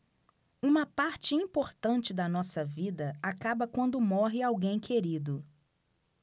uma parte importante da nossa vida acaba quando morre alguém querido